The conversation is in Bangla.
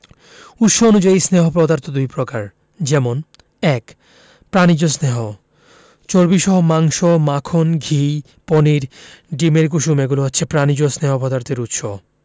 উৎস অনুযায়ী স্নেহ পদার্থ দুই প্রকার যেমন ১. প্রাণিজ স্নেহ চর্বিসহ মাংস মাখন ঘি পনির ডিমের কুসুম এগুলো হচ্ছে প্রাণিজ স্নেহ পদার্থের উৎস